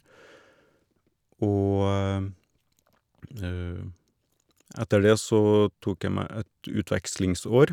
Og etter det så tok jeg meg et utvekslingsår.